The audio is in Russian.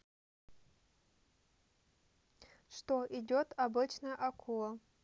что идет обычная акула